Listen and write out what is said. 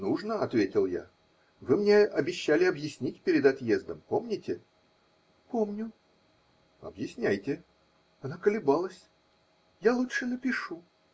-- Нужно, -- ответил я, -- вы мне обещали объяснить перед отъездом. Помните? -- Помню. -- Объясняйте. Она колебалась. -- Я лучше напишу.